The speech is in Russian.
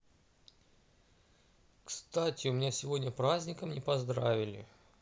кстати у меня сегодня праздником не поздравили